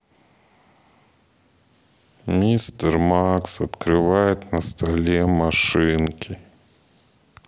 мистер макс открывает на столе машинки